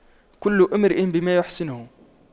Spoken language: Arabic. كل امرئ بما يحسنه